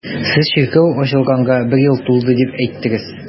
Сез чиркәү ачылганга бер ел тулды дип әйттегез.